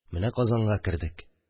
Менә Казанга кердек